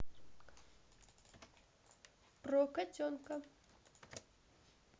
про котенка